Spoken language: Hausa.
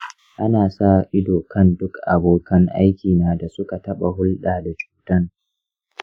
ana sa ido kan duk abokan aikina da suka taɓa hulɗa da cutar.